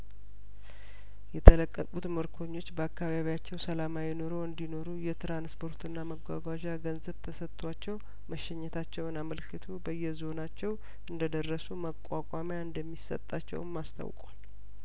የተለቀቁትምርኮኞች በአካባቢያቸው ሰላማዊ ኑሮ እንዲ ኖሩ የትራንስፖርትና መጓጓዣ ገንዘብ ተሰጥቷቸው መሸኘታቸውን አመልክቶ በየዞ ናቸው እንደደረሱ መቋቋሚያ እንደሚሰጣቸውም አስታውቋል